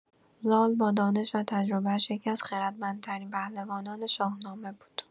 زال با دانش و تجربه‌اش یکی‌از خردمندترین پهلوانان شاهنامه بود.